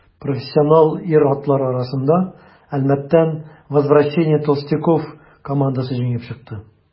Профессионал ир-атлар арасында Әлмәттән «Возвращение толстяков» командасы җиңеп чыкты.